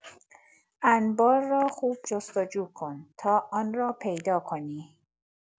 انبار را خوب جست‌جو کن تا آن را پیدا کنی